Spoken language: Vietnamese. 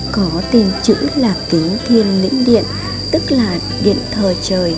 có tên chữ là kính thiên lĩnh điện tức là điện thờ trời